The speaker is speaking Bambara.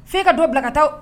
F' ka don bilakata